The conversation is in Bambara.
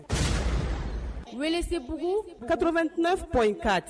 Welesebugu 89.4